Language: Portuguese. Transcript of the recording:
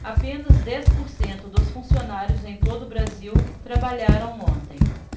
apenas dez por cento dos funcionários em todo brasil trabalharam ontem